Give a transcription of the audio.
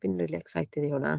Fi'n rili excited i hwnna.